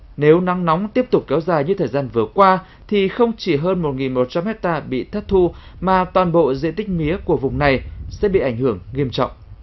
nếu nắng nóng tiếp tục kéo dài như thời gian vừa qua thì không chỉ hơn một nghìn một trăm héc ta bị thất thu mà toàn bộ diện tích mía của vùng này sẽ bị ảnh hưởng nghiêm trọng